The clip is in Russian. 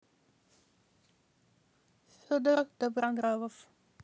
федор добронравов